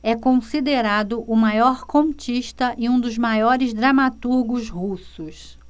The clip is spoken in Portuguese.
é considerado o maior contista e um dos maiores dramaturgos russos